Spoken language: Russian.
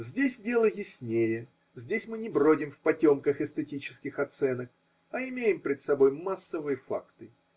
Здесь дело яснее, здесь мы не бродим в потемках эстетических оценок, а имеем пред собой массовые факты.